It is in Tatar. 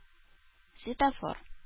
Светофор